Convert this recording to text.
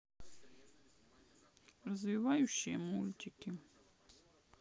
развивающие мультики